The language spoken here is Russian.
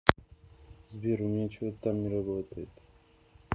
сбер у меня чего то не работает